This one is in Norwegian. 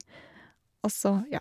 Og så, ja.